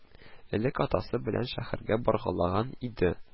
Элек атасы белән шәһәргә баргалаган иде